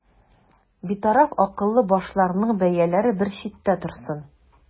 Битараф акыллы башларның бәяләре бер читтә торсын.